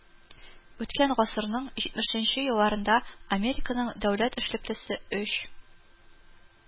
Үткән гасырның җитмешенче елларында Американың дәүләт эшлеклесе өч